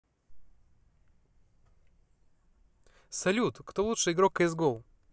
салют кто лучший игрок cs go